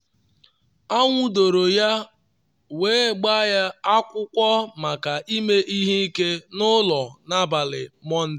Anwudoro ya wee gbaa ya akwụkwọ maka ime ihe ike n’ụlọ n’abalị Mọnde